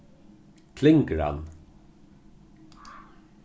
klingran